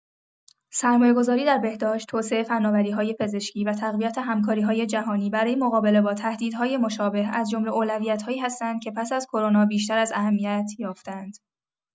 سرمایه‌گذاری در بهداشت، توسعه فناوری‌های پزشکی و تقویت همکاری‌های جهانی برای مقابله با تهدیدهای مشابه، از جمله اولویت‌هایی هستند که پس از کرونا بیشتر از اهمیت یافته‌اند.